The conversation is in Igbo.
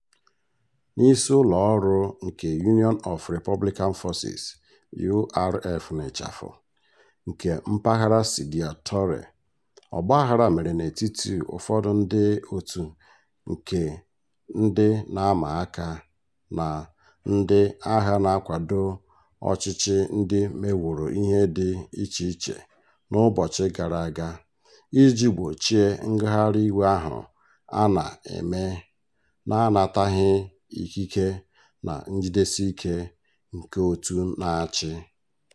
...n'isi ụlọ ọru nke Union of Republican Forces (URF) nke mpaghara Sidya Touré, ọgbaghara mere n'etiti ụfọdụ ndị òtù nke ndị na-ama aka na ndị agha na-akwado ọchịchị ndị meworo ihe dị iche iche n'ụbọchị gara aga iji gbochie ngagharị iwe ahụ a na-eme na-anataghị ikike na njidesi ike nke òtù na-achị.